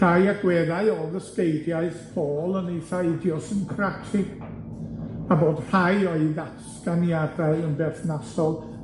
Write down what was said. rhai agweddau o ddysgeidiaeth Paul yn eitha idiosyncratic, a bod rhai o'i ddatganiadau yn berthnasol,